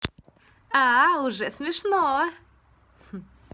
а уже смешно